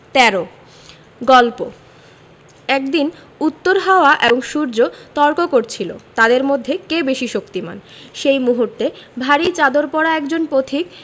১৩ গল্প একদিন উত্তর হাওয়া এবং সূর্য তর্ক করছিল তাদের মধ্যে কে বেশি শক্তিমান সেই মুহূর্তে ভারি চাদর পরা একজন পথিক